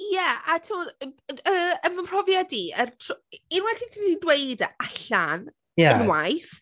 Ie, a tibod y- yy, yn fy mhrofiad i, yr tr- unwaith i ti di dweud e allan... Ie... unwaith...